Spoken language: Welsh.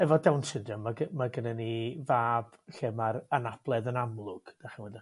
efo down syndorme ma' g- ma' gynnon ni fab lle ma'r anabledd yn amlwg dach ch'mod